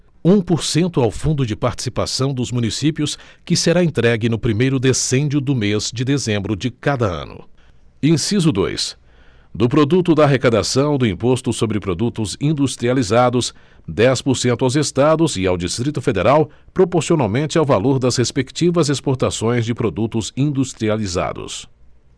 um por cento ao fundo de participação dos municípios que será entregue no primeiro decêndio do mês de dezembro de cada ano inciso dois do produto da arrecadação do imposto sobre produtos industrializados dez por cento aos estados e ao distrito federal proporcionalmente ao valor das respectivas exportações de produtos industrializados